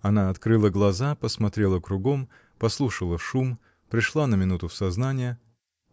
Она открыла глаза, посмотрела кругом, послушала шум, пришла на минуту в сознание,